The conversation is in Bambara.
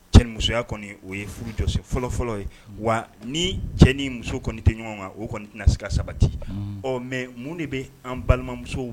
Cɛmusoya o ye furu jɔ fɔlɔ fɔlɔ ye wa ni cɛ ni muso kɔni tɛ ɲɔgɔn kan o kɔni na seka sabati ɔ mɛ mun de bɛ an balimamuso